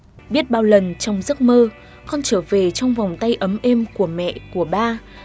biết bao lần trong giấc mơ con trở về trong vòng tay ấm êm của mẹ của ba